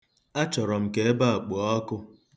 Achọrọ m ka ebe a kpoo ọkụ.